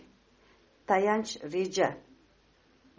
tayanch reja